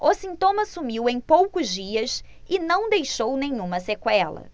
o sintoma sumiu em poucos dias e não deixou nenhuma sequela